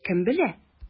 Кем белә?